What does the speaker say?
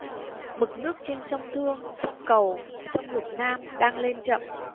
mực nước trên sông thương sông cầu sông lục nam đang lên chậm